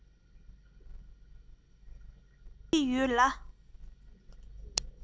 ཡོང གི ཡོད ལ